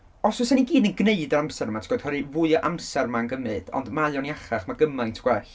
Os fysen ni gyd yn gwneud yr amser yma, timod, oherwydd fwy o amser mae'n gymryd, ond mae o'n iachach. Mae gymaint gwell.